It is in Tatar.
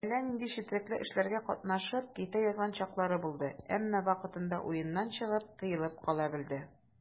Әллә нинди четрекле эшләргә катнашып китә язган чаклары булды, әмма вакытында уеннан чыгып, тыелып кала белде.